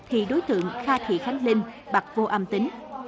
thì đối tượng kha thị khánh linh bặt vô âm tín